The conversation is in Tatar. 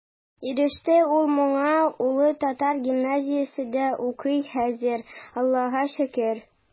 Иреште ул моңа, улы татар гимназиясендә укый хәзер, Аллаһыга шөкер.